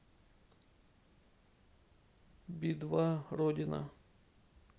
би два родина